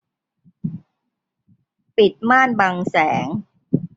ปิดม่านบังแสง